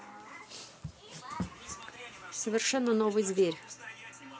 совершенно новый зверь